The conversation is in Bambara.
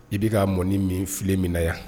I bɛ ka mɔni min filen min na yan